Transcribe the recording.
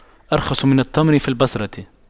أرخص من التمر في البصرة